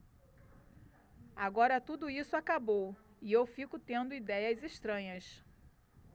agora tudo isso acabou e eu fico tendo idéias estranhas